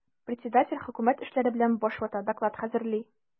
Председатель хөкүмәт эшләре белән баш вата, доклад хәзерли.